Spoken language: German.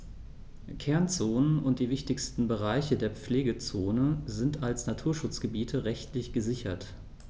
Kernzonen und die wichtigsten Bereiche der Pflegezone sind als Naturschutzgebiete rechtlich gesichert.